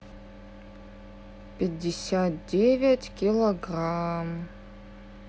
пятьдесят девять килограмм